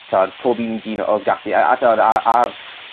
t'od pob un dyn odd gallu a a t'od a a'r